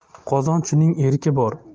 qozonchining erki bor